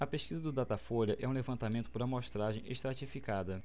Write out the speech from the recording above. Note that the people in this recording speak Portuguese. a pesquisa do datafolha é um levantamento por amostragem estratificada